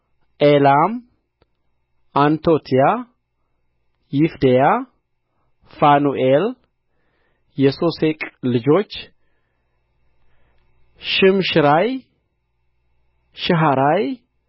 ኤላም ዓንቶትያ ይፍዴያ ፋኑኤል የሶሴቅ ልጆች ሸምሽራይ ሸሃሪያ